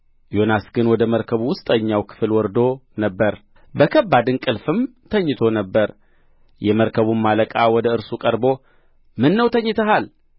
ዮናስ ግን ወደ መርከቡ ውስጠኛው ክፍል ወርዶ ነበር በከባድ እንቅልፍም ተኝቶ ነበር የመርከቡም አለቃ ወደ እርሱ ቀርቦ ምነው ተኝተሃል